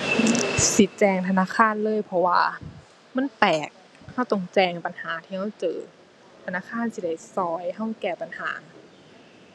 สิแจ้งธนาคารเลยเพราะว่า มันแปลก เราต้องแจ้งปัญหาที่เราเจอ ธนาคารสิได้เราเราแก้ปัญหา